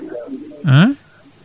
han